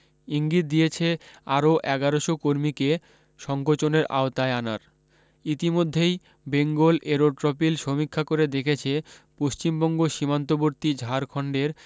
ইঙ্গিত দিয়েছে আরও এগারশ কর্মীকে সঙ্কোচনের আওতায় আনার ইতিমধ্যেই বেঙ্গল এরোট্রপিল সমীক্ষা করে দেখেছে পশ্চিমবঙ্গ সীমান্তবর্তী ঝাড়খণ্ডের